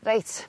Reit